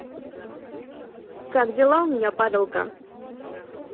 как дела у меня падалка